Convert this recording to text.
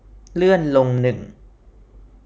เลื่อนลงหนึ่ง